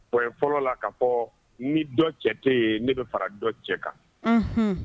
Bon fɔlɔ la ka fɔ ni dɔ cɛ tɛ yen ne bɛ fara dɔ cɛ kan